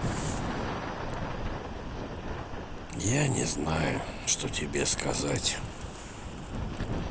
я не знаю что тебе сказать